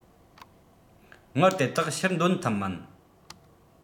དངུལ དེ དག ཕྱིར འདོན ཐུབ མིན